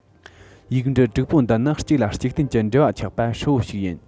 ཡིག འབྲུ དྲུག པོ འདི ནི གཅིག ལ གཅིག བརྟེན གྱི འབྲེལ བ ཆགས པའི ཧྲིལ པོ ཞིག ཡིན